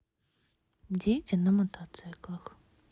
дети на мотоциклах